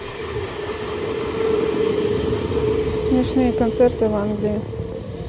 смешные концерты в англии